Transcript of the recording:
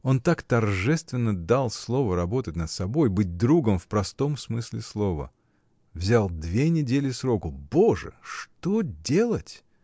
Он так торжественно дал слово работать над собой, быть другом в простом смысле слова. Взял две недели сроку! Боже! что делать!